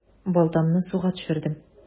Балтамны суга төшердем.